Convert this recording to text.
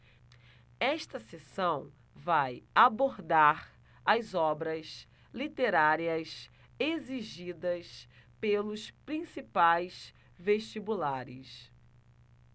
esta seção vai abordar as obras literárias exigidas pelos principais vestibulares